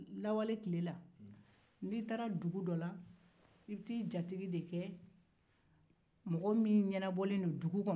lawale la n'i taara dugu la ii bɛ taa i jatigi kɛ mɔgɔ ye mɔgɔ min ɲɛnabɔlen don dugu